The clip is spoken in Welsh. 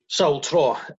sawl tro